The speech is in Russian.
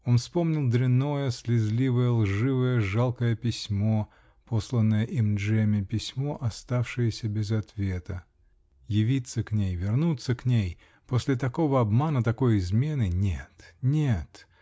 Он вспомнил дрянное, слезливое, лживое, жалкое письмо, посланное им Джемме, письмо, оставшееся без ответа Явиться к ней, вернуться к ней -- после такого обмана, такой измены -- нет! нет!